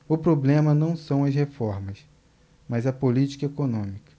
o problema não são as reformas mas a política econômica